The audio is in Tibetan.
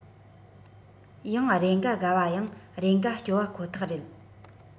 ཡང རེ འགའ དགའ བ ཡང རེ འགའ སྐྱོ བ ཁོ ཐག རེད